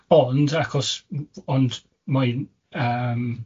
Ond achos m- ond mae'n yym